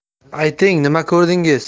ayting nima ko'rdingiz